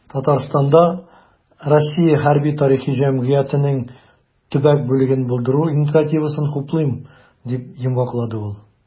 "татарстанда "россия хәрби-тарихи җәмгыяте"нең төбәк бүлеген булдыру инициативасын хуплыйм", - дип йомгаклады ул.